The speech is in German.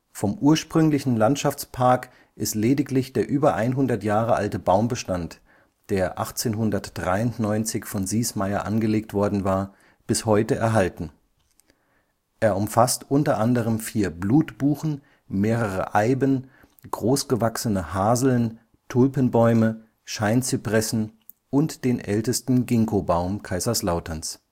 Vom ursprünglichen Landschaftspark ist lediglich der über 100 Jahre alte Baumbestand, der 1893 von Siesmayer angelegt worden war, bis heute erhalten. Er umfasst unter anderem vier Blutbuchen, mehrere Eiben, großgewachsene Haseln, Tulpenbäume, Scheinzypressen und den ältesten Ginkgobaum Kaiserslauterns